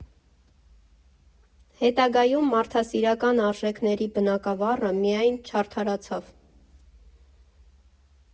Հետագայում մարդասիրական արժեքների բնագավառը միայն չարդարացավ.